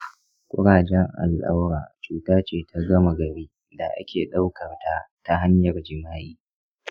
ƙurajen al’aura cuta ce ta gama gari da ake ɗauka ta hanyar jima’i.